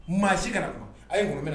Maa si kana kɔnɔ a ye na